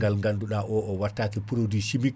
ngal ganduɗa o o wattake produit chimique